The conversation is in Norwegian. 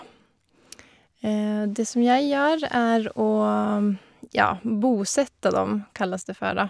Det som jeg gjør, er å, ja, bosette dem, kalles det for, da.